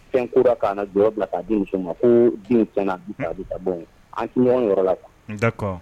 Fɛn kura ka na jɔ bila ka di muso ma ko den fana bi ka bɔ. An ti ɲɔgɔn ye o yɔrɔ la